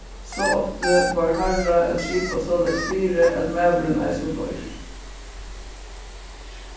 so átti várharra at skipað soleiðis fyri at maðurin eisini doyr